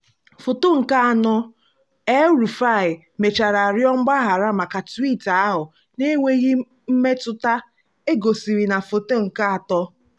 Foto nke 4: El-Rufai mechara rịọ mgbaghara maka twiiti ahụ "na-enweghị mmetụta" e gosiri na Foto nke 3.